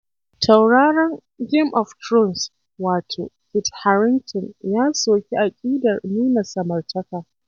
Tauraron Game of Thrones wato Kit Harington ya soki aƙidar nuna samartaka